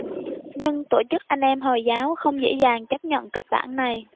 nhưng tổ chức anh em hồi giáo không dễ dàng chấp nhận kịch bản này